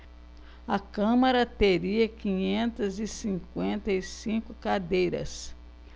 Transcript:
a câmara teria quinhentas e cinquenta e cinco cadeiras